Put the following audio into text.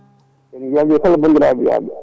en * kala bandiraɓe yaaɓe